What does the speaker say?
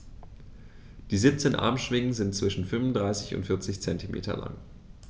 Die 17 Armschwingen sind zwischen 35 und 40 cm lang.